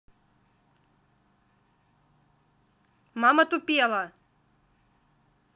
мама тупела